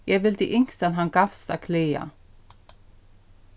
eg vildi ynskt at hann gavst at klaga